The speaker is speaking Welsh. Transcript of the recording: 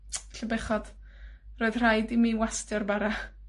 'lly bechod, roedd rhaid i mi wastio'r bara.